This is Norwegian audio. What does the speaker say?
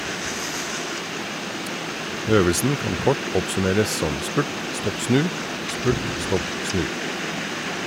Øvelsen kan kort oppsummeres som "spurt, stopp, snu ; spurt, stopp, snu".